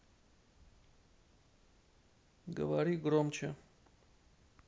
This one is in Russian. говори громче